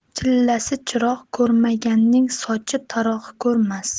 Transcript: chillasi chiroq ko'rmaganning sochi taroq ko'rmas